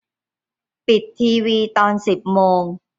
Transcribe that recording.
ปิดทีวีตอนสิบโมง